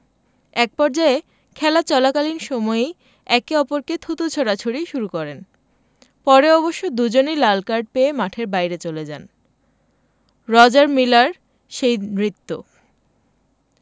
একপর্যায়ে খেলা চলাকালীন সময়েই একে অপরকে থুতু ছোড়াছুড়ি শুরু করেন পরে অবশ্য দুজনই লাল কার্ড পেয়ে মাঠের বাইরে চলে যান রজার মিলার সেই নৃত্য